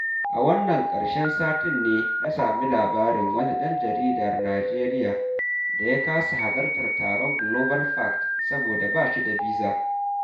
A wannan ƙarshen satin ne na sami labari wani ɗan jaridar Nijeriya da ya kasa halartar taron GlobalFact saboda ba shi da biza.